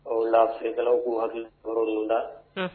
O la fɛkɛlaw ko yɔrɔ don la